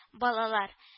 Балалар